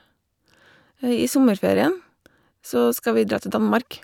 I sommerferien så skal vi dra til Danmark.